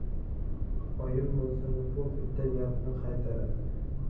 oyim bo'lsa nuqul bitta gapni qaytaradi